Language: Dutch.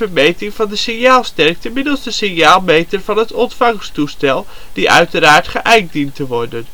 meting van de signaalsterkte middels de signaalmeter van het ontvangsttoestel, die uiteraard geijkt dient te worden